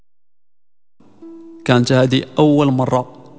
كان سادي اول مره